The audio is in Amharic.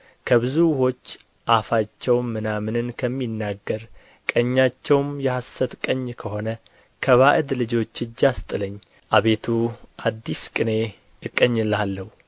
ከብዙ ውኆች አፋቸውም ምናምንን ከሚናገር ቀኛቸው የሐሰት ቀኝ ከሆነ ከባዕድ ልጆች እጅ አስጥለኝ አቤቱ አዲስ ቅኔ እቀኛልሃለሁ